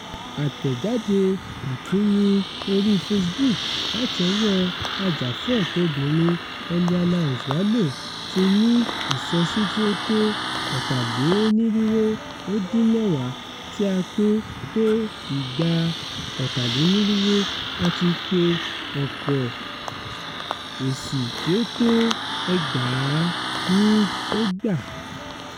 Àtẹ̀jáde ìkíni orí Facebook láti ọwọ́ ajàfúnẹ̀tọ́ obìnrin Eliana Nzualo, ti ní ìsọsí tí ó tó 450, tí a ti pín tó ìgbà 460, àti pé ọ̀pọ̀ èsì tí ó tó 2,000 ni ó gbà: